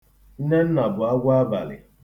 Nnenna bụ agwọ abalị.